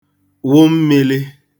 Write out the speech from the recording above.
wụ mmīlī